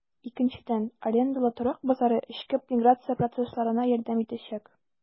Икенчедән, арендалы торак базары эчке миграция процессларына ярдәм итәчәк.